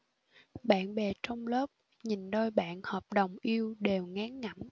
bạn bè trong lớp nhìn đôi bạn hợp đồng yêu đều ngán ngẩm